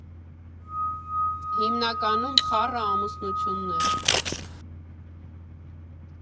Հիմնականում՝ խառը ամուսնություններ։